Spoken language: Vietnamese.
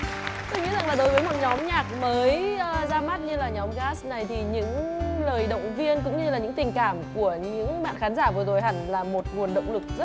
tôi nghĩ là đối với một nhóm nhạc mới ra mắt như là nhóm gát này thì những lời động viên cũng như là những tình cảm của những bạn khán giả vừa rồi hẳn là một nguồn động lực rất